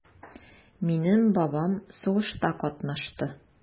Минем бабам сугышта катнашты.